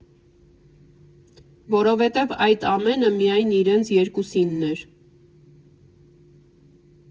Որովհետև այդ ամենը միայն իրենց երկուսինն էր։